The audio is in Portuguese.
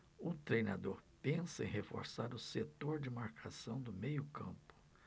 o treinador pensa em reforçar o setor de marcação do meio campo